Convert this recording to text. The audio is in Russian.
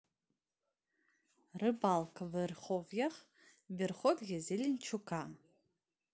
рыбалка в верховьях в верховье зеленчука